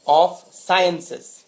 of sciences